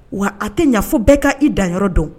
Wa a tɛ ɲɛfɔ bɛɛ ka i da yɔrɔ don